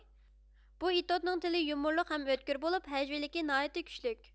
بۇ ئېتوتنىڭ تىلى يۇمۇرلۇق ھەم ئۆتكۈر بولۇپ ھەجۋىيلىكى ناھايىتى كۈچلۈك